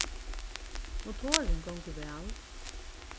motorurin gongur væl